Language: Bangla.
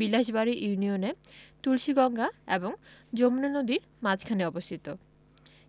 বিলাসবাড়ি ইউনিয়নে তুলসীগঙ্গা এবং যমুনা নদীর মাঝখানে অবস্থিত